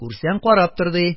Күрсәң, карап тор ди..